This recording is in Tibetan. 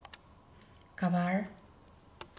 ག བར